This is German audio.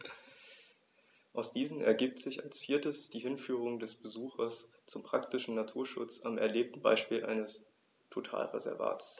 Aus diesen ergibt sich als viertes die Hinführung des Besuchers zum praktischen Naturschutz am erlebten Beispiel eines Totalreservats.